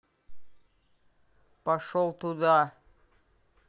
пошел туда